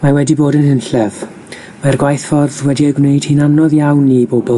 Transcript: Me wedi bod yn hunllef. Mae'r gwaith ffordd wedi ei gwneud hi'n anodd iawn i bobl